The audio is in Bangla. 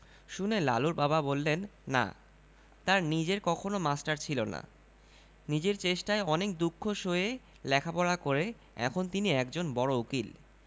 শুনে লালুর বাবা বললেন না তাঁর নিজের কখনো মাস্টার ছিল না নিজের চেষ্টায় অনেক দুঃখ সয়ে লেখাপড়া করে এখন তিনি একজন বড় উকিল